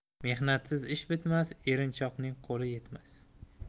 mehnatsiz ish bitmas erinchoqning qo'li yetmas